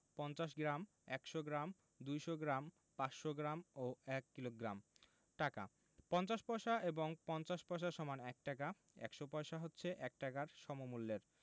৫০ gram ১০০ gram ২০০ gram ৫০০ gram ও ১ kilogram টাকাঃ ৫০ পয়সা এবং ৫০ পয়স = ১ টাকা ১০০ পয়সা হচ্ছে ১ টাকার সমমূল্যের